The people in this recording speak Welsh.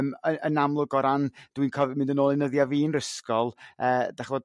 ym y- yn amlwg o ran dwi'n cof' mynd yn ol i'n nyddia' fi'n 'rysgol yrr dach'mod